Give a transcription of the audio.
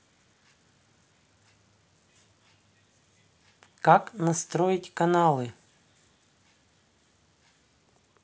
как настроить каналы